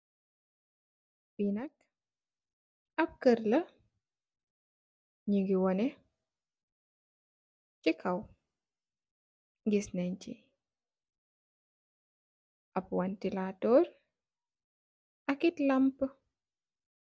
Li nak ap keur la nyugi woneh si kaw giss nene si am wantilater akit lampa.